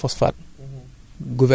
mi ngi mi mi ngi dox